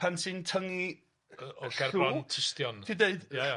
Pan ti'n tyngu... Yy o'r gerbron... ...llw... ....tystion. ...ti'n deud... Ia ia.